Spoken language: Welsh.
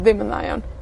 ddim yn dda iawn.